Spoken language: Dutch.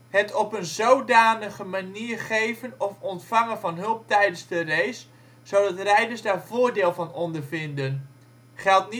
het op een zodanige manier geven of ontvangen van hulp tijdens de race, zodat rijders daar voordeel van ondervinden (geldt